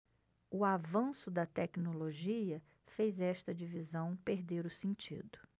o avanço da tecnologia fez esta divisão perder o sentido